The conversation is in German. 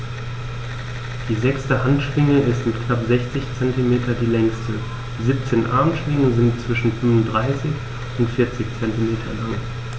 Die sechste Handschwinge ist mit knapp 60 cm die längste. Die 17 Armschwingen sind zwischen 35 und 40 cm lang.